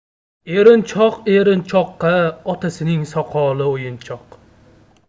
erinchoq erinchoqqa otasining soqoli o'yinchoq